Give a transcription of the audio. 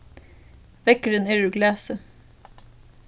veggurin er úr glasi